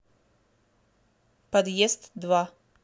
подъезд два